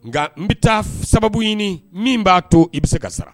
Nka n bɛ taa sababu ɲini min b'a to i bɛ se ka sara